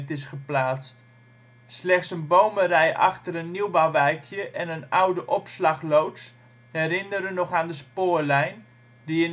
is geplaatst. Slechts een bomenrij achter een nieuwbouwwijkje en een oude opslagloods herinneren nog aan de spoorlijn, die